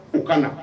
U ka na